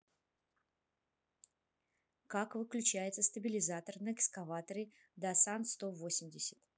как включается стабилизатор на экскаваторе досан сто восемьдесят